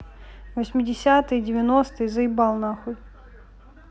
восьмидесятые девяностые заебал нахуй